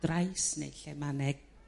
drais neu lle ma' 'ne